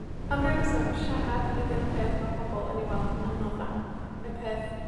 Am ryw reswm, siarad ydi'r peth ma' pobol yn 'i weld anodda, y peth